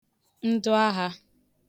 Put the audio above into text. ndụaghā